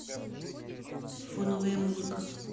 фоновая музыка